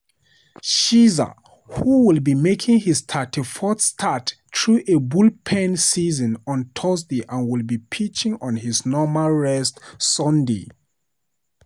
Scherzer, who would be making his 34th start, threw a bullpen session on Thursday and would be pitching on his normal rest Sunday.